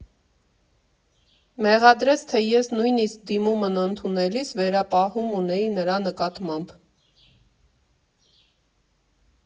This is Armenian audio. Մեղադրեց, թե ես նույնիսկ դիմումն ընդունելիս վերապահում ունեի նրա նկատմամբ։